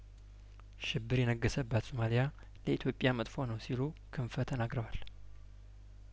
ሽብር የነገ ሰባት ሱማሊያ ለኢትዮጵያ መጥፎ ነው ሲሉ ክንፈ ተናግረዋል